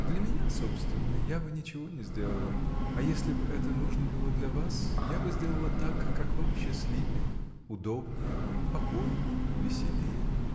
— Для меня собственно — я бы ничего не сделала, а если б это нужно было для вас, я бы сделала так, как вам счастливее, удобнее, покойнее, веселее.